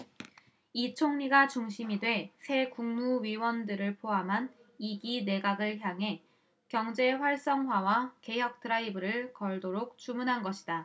이 총리가 중심이 돼 새 국무위원들을 포함한 이 기 내각을 향해 경제활성화와 개혁 드라이브를 걸도록 주문한 것이다